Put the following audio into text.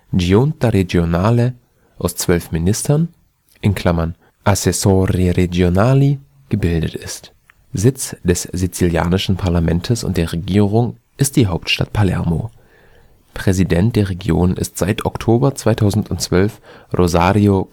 Giunta Regionale) aus 12 Ministern (Assessori Regionali) gebildet ist. Sitz des sizilianischen Parlaments und der Regierung ist die Hauptstadt Palermo. Präsident der Region ist seit Oktober 2012 Rosario